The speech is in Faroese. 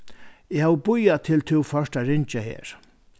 eg havi bíðað til tú fórt at ringja her